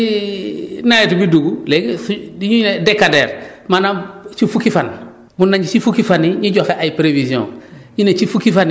léegi su ñu ñëwee ba ci nawet bi dugg léegi li ñuy ne décadaire maanaam ci fukki fan mun nañ ci fukki fan yi ñu joxe ay prévisions